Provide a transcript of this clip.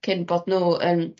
cyn bod n'w yn